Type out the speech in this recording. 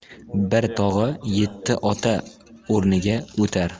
bir tog'a yetti ota o'rniga o'tar